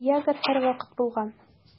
Ягр һәрвакыт булган.